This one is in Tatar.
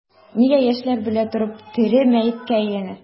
Нигә яшьләр белә торып тере мәеткә әйләнә?